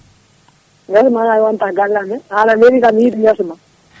* beele a yewnata gallamen an a meeɗi kam yide guesama